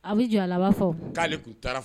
A bɛ jɔ a laban' fɔ k'ale kun taa